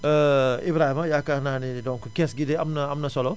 Ibrahima yaakaar naa ne donc kees gi de am na am na solo